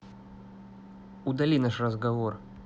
удали наш разговор